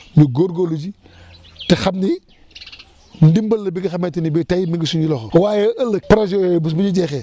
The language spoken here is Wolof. ñu góorgóorlu ci te xam ni ndimbal la bi nga xamante ne bii tey mi ngi suñuy loxo waaye ëllëg projets yooyu bis bu ñu jeexee